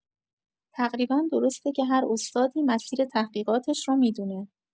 تقریبا درسته که هر استادی مسیر تحقیقاتش رو می‌دونه.